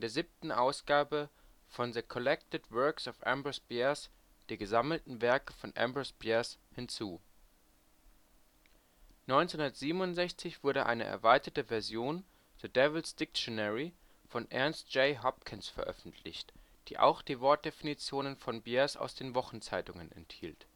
siebten Ausgabe von The Collected Works of Ambrose Bierce (Die gesammelten Werke von Ambrose Bierce) hinzu. 1967 wurde eine erweiterte Version, The Devil 's Dictionary von Ernest J. Hopkins veröffentlicht, die auch die Wortdefinitionen von Bierce aus den Wochenzeitungen enthielt